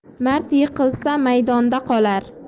mard yiqilsa maydonda qolar